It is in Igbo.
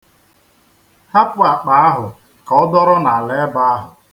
Hapụ akpa ahụ ka ọ dọrọ n'ala ebe ahụ.